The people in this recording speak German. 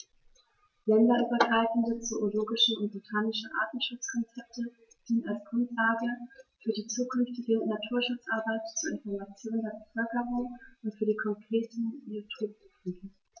Länderübergreifende zoologische und botanische Artenschutzkonzepte dienen als Grundlage für die zukünftige Naturschutzarbeit, zur Information der Bevölkerung und für die konkrete Biotoppflege.